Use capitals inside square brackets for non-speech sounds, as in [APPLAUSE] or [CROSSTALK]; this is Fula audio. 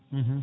[HESITATION] [HESITATION]